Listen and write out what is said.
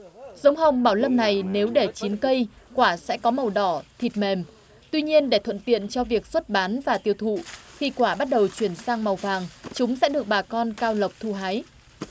giống hồng bảo lâm này nếu để chín cây quả sẽ có màu đỏ thịt mềm tuy nhiên để thuận tiện cho việc xuất bán và tiêu thụ khi quả bắt đầu chuyển sang màu vàng chúng sẽ được bà con cao lộc thu hái